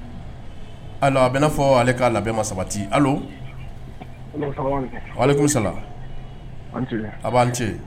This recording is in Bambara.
A bɛa fɔ ale kaa labɛn ma sabati sa a b'an cɛ